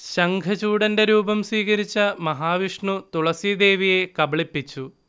ശംഖചൂഢന്റെ രൂപം സ്വീകരിച്ച മഹാവിഷ്ണു തുളസീദേവിയെ കബളിപ്പിച്ചു